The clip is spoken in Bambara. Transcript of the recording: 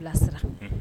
Bilasira